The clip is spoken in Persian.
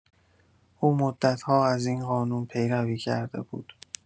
او مدت‌ها از این قانون پیروی کرده بود.